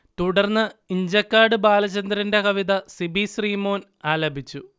തുടർന്ന് ഇഞ്ചക്കാട് ബാലചന്ദറിന്റെ കവിത സിബി ശ്രീമോൻ ആലപിച്ചു